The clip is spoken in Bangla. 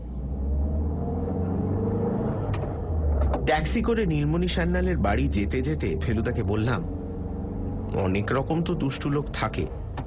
ট্যাক্সি করে নীলমণি সান্যালের বাড়ি যেতে যেতে ফেলুদাকে বললাম অনেক রকম তো দুষ্ট লোক থাকে